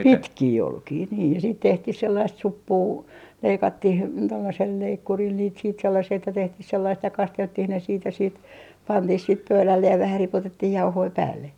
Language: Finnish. -- pitkiä olkia niin ja sitten tehtiin sellaista suppua leikattiin tuollaisella leikkurilla niitä siitä sellaisia että tehtiin sellaista ja kasteltiin ne siitä ja siitä pantiin sitten pöydälle ja vähän ripotettiin jauhoja päälle